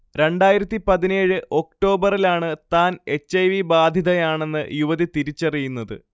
രണ്ടതായിരത്തിപതിനേഴ് ഒക്ടോബറിലാണ് താൻ H. I. V ബാധിതയാണെന്ന് യുവതി തിരിച്ചറിയുന്നത്